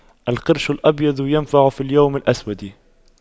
القرش الأبيض ينفع في اليوم الأسود